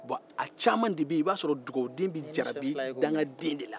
a caman de be yen i b'a sɔrɔ dugawuden bɛ jarabi daganden de la